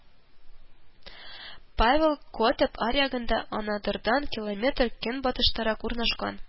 Павел Котып аръягында, Анадырдан километр көнбатышрак урнашкан